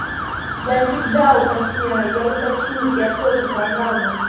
я всегда уточняю я уточник я тоже программа